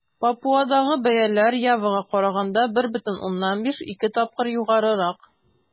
Папуадагы бәяләр Явага караганда 1,5-2 тапкыр югарырак.